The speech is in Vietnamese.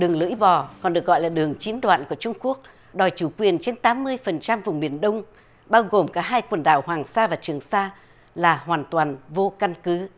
đường lưỡi bò còn được gọi là đường chín đoạn của trung quốc đòi chủ quyền trên tám mươi phần trăm vùng biển đông bao gồm cả hai quần đảo hoàng sa và trường sa là hoàn toàn vô căn cứ